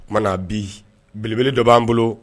O tuma na bi belebele dɔ b'an bolo